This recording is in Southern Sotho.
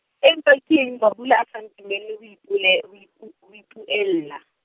empa keng Bhabula a sa ntumelle ho ipole- ho ipu-, ho ipuella?